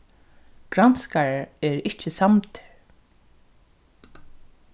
granskarar eru ikki samdir